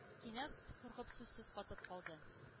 Кинәт, куркып, сүзсез катып калды,